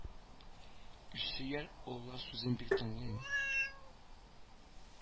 Илсөяр олылар сүзен бик тыңлый